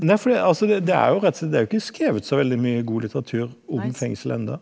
nei fordi altså det det er jo rett og slett det er jo ikke skrevet så veldig mye god litteratur om fengsel enda.